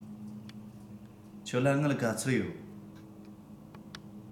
ཁྱོད ལ དངུལ ག ཚོད ཡོད